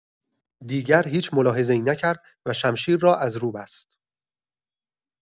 دیگر هیچ ملاحظه‌ای نکرد و شمشیر را از رو بست.